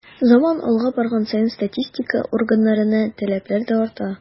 Заман алга барган саен статистика органнарына таләпләр дә арта.